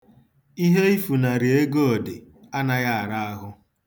Ihe ifunarị Egodi anaghị ara ahụ.